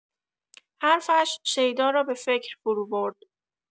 حرفش شیدا را به فکر فروبرد.